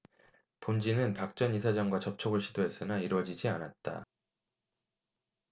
본지는 박 전 이사장과 접촉을 시도했으나 이뤄지지 않았다